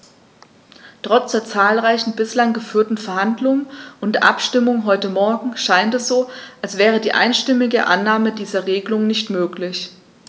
Trotz der zahlreichen bislang geführten Verhandlungen und der Abstimmung heute Morgen scheint es so, als wäre die einstimmige Annahme dieser Regelung nicht möglich.